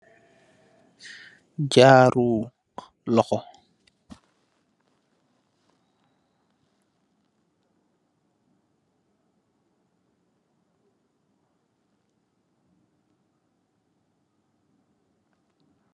Jaaru loxo